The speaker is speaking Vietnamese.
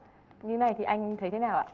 như này thì anh thấy thế nào ạ